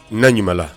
Na ɲamakala